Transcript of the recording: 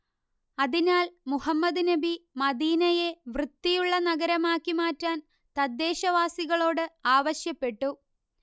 അതിനാൽ മുഹമ്മദ് നബി മദീനയെ വൃത്തിയുള്ള നഗരമാക്കി മാറ്റാൻ തദ്ദേശവാസികളോട് ആവശ്യപ്പെട്ടു